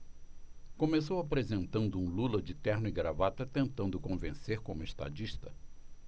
começou apresentando um lula de terno e gravata tentando convencer como estadista